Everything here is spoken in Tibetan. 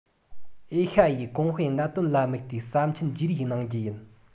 ཨེ ཤ ཡའི གོང སྤེལ གནད དོན ལ དམིགས ཏེ བསམ འཆར བརྗེ རེས གནང རྒྱུ ཡིན